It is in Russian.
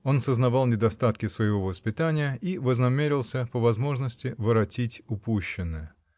Он сознавал недостатки своего воспитания и вознамерился по возможности воротить упущенное.